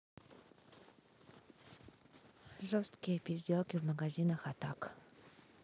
жесткие пизделки в магазине атак